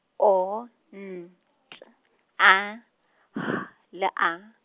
O, N, T, A, H, le A.